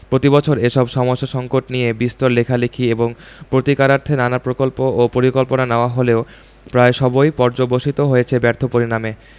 প্রতিবছর এসব সমস্যা সঙ্কট নিয়ে বিস্তর লেখালেখি এবং প্রতিকারার্থে নানা প্রকল্প ও পরিকল্পনা নেয়া হলেও প্রায় সবই পর্যবসিত হয়েছে ব্যর্থ পরিণামে